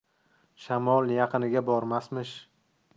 shamol yaqiniga bormasmish